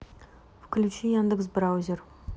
включи яндекс браузер